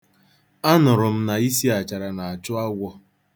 Anụrụ m na isi achara na-achụ agwọ.